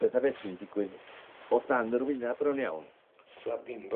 Petha fellu'n digwydd o dan yr wyneb bron iawn.